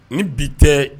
Ni bi tɛ